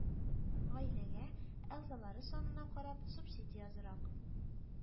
Гаиләгә, әгъзалары санына карап, субсидия азрак